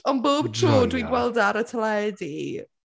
Ond bob tro dwi’n gweld e ar y teledu...